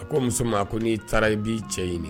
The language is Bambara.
A ko muso ma ko ni taara i bi cɛ ɲini.